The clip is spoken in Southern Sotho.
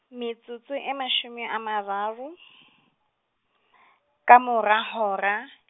Metsotso e mashome a mararo , ka mora hora.